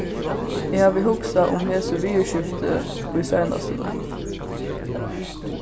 eg havi hugsað um hesi viðurskifti í seinastuni